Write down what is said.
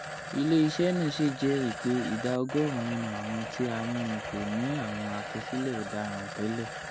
Ile iṣẹ naa ṣjẹri pe ida ọgọrun nínú awọn ti a mu ni koni awọn akọsilẹ ọdaran tẹlẹ.